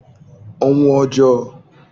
ọnwụ ọjọo